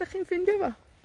'dych chi'n ffindio fo.